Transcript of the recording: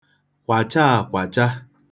kwàcha àkwàcha